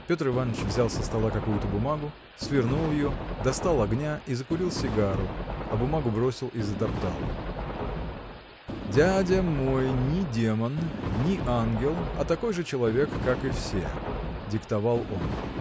Петр Иваныч взял со стола какую-то бумагу свернул ее достал огня и закурил сигару а бумагу бросил и затоптал. – Дядя мой ни демон ни ангел а такой же человек как и все – диктовал он